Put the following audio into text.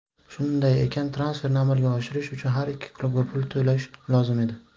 shunday ekan transferni amalga oshirish uchun har ikki klubga pul to'lash lozim edi